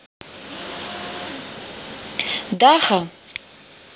даха